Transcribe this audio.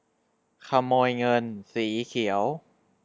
ขโมยเงินสีเขียว